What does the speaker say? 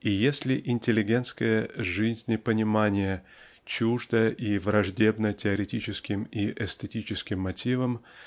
И если интеллигентское жизнепонимание чуждо и враждебно теоретическим и эстетическим мотивам